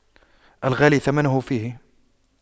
الغالي ثمنه فيه